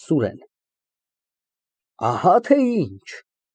ՍՈՒՐԵՆ ֊ Ահա թե ինչ։